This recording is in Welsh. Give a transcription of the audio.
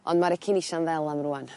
On' ma'r echinacea'n ddel am rŵan.